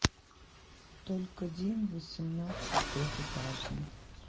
только день восемнадцать трехэтажно